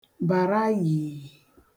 bàra yìì